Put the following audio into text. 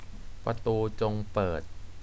ประตูจงเปิด